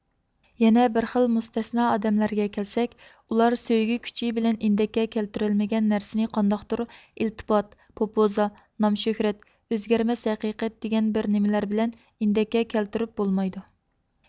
يەنە بىر خىل مۇستەسنا ئادەملەرگە كەلسەك ئۇلار سۆيگۈ كۈچى بىلەن ئىندەككە كەلتۈرەلمىگەن نەرسىنى قانداقتۇر ئىلتپات پوپوزا نام شۆھرەت ئۆزگەرمەس ھەقىقەت دېگەن بىرنېمىلەر بىلەن ئىندەككە كەلتۈرۈپ بولمايدۇ